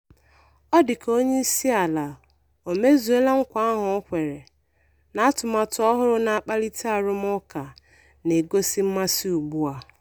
Ọ dị ka onyeisiala o mezuola nkwa ahụ o kwere, na atụmatụ ọhụrụ na-akpalite arụmụka na-egosi mmasị ugbu a.